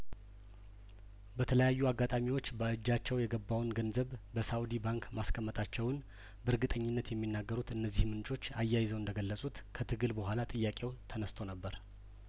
በተለያዩ አጋጣሚዎች በእጃቸው የገባውን ገንዘብ በሳኡዲ ባንክ ማስቀመጣቸውን በእርግጠኝነት የሚናገሩት እነዚህ ምንጮች አያይዘው እንደገለጹት ከትግል በኋላ ጥያቄው ተነስቶ ነበር